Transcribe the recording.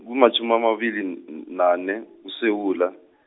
kumatjhumi amabili n- n- nane kuSewula.